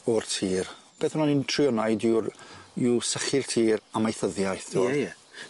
...o'r tir beth o' nw'n trio wneud yw'r yw sychu'r tir amaethyddiaeth t'wod? Ie ie.